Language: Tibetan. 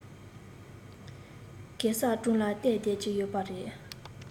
གེ སར སྒྲུང ལ བལྟས བསྡད ཀྱི ཡོད པ རེད